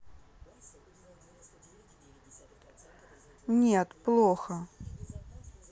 нет плохо